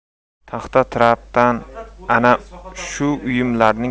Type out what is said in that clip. taxta trapdan ana shu uyumlarning